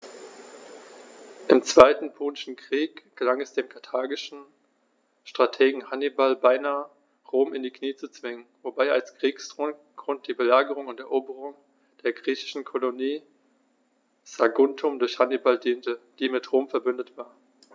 Im Zweiten Punischen Krieg gelang es dem karthagischen Strategen Hannibal beinahe, Rom in die Knie zu zwingen, wobei als Kriegsgrund die Belagerung und Eroberung der griechischen Kolonie Saguntum durch Hannibal diente, die mit Rom „verbündet“ war.